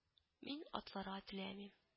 Мин атларга теләмим